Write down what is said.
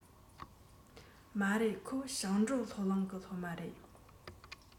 མ རེད ཁོ ཞིང འབྲོག སློབ གླིང གི སློབ མ རེད